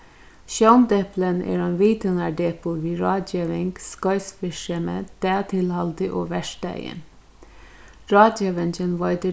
sjóndepilin er ein vitanardepil við ráðgeving skeiðsvirksemi dagtilhaldi og verkstaði ráðgevingin veitir